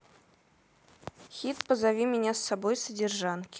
хит позови меня с собой содержанки